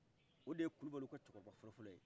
o de ye kulubaliw ka cɔkɔrɔba fɔlɔfɔlɔye